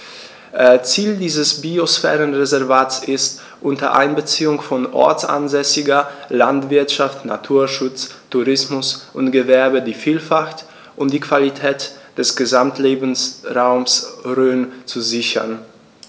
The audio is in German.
Ziel dieses Biosphärenreservates ist, unter Einbeziehung von ortsansässiger Landwirtschaft, Naturschutz, Tourismus und Gewerbe die Vielfalt und die Qualität des Gesamtlebensraumes Rhön zu sichern.